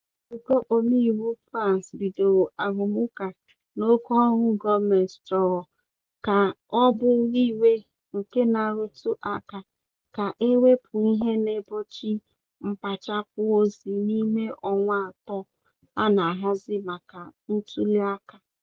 Nzukọ omeiwu France bidoro arụmụka na okwu ọhụrụ gọọmenti chọrọ ka ọ bụrụ iwe nke na-arụtụ aka ka e wepụ ihe na-egbochi ịkpachapụ ozi n'ime ọnwa atọ a na-ahazi maka ntuliaka.